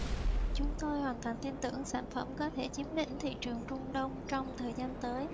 chúng tôi hoàn toàn tin tưởng sản phẩm có thể chiếm lĩnh thị trường trung đông trong thời gian tới